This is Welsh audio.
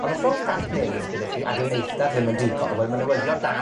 Ond os o's dant melys gyda chi, a dyw neithdar ddim yn digon, wel ma' newyddion da